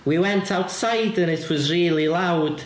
We went outside and it was really loud.